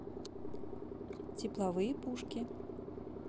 тепловые пушки